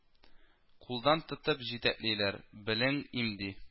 Кулдан тотып җитәклиләр, белең имди